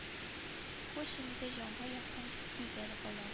Хуш инде җанга якын гүзәл калам